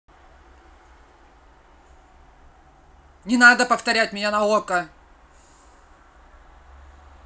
не надо повторять меня это okko